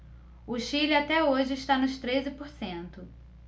o chile até hoje está nos treze por cento